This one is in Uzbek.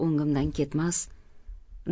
o'ngimdan ketmas